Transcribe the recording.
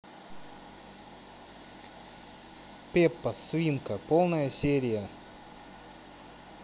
пеппа свинка полная серия